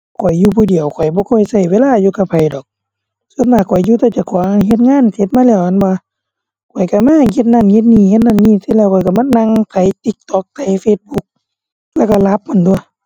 ข้อยอยู่ผู้เดียว ข้อยบ่ค่อยใช้เวลาอยู่กับไผดอก ส่วนมากข้อยอยู่แต่เจ้าของ เฮ็ดงานเสร็จมาแล้วแม่นบ่ ข้อยใช้มาเฮ็ดนั่นเฮ็ดนี่ เฮ็ดนั่นนี่เสร็จแล้ว ข้อยใช้มานั่งไถ TikTok ไถ Facebook แล้วใช้หลับหั้นตั่ว